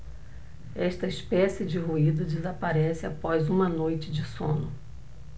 esta espécie de ruído desaparece após uma noite de sono